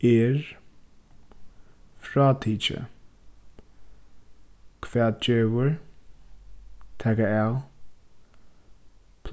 er frátikið hvat gevur taka av